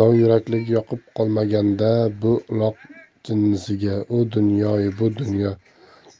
dovyurakligi yoqib qolmaganda bu uloq jinnisiga u dunyo bu dunyo